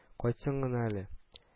Кайтсын гына әле